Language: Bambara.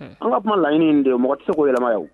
An ka kuma laɲini don mɔgɔ tɛko yɛlɛma ye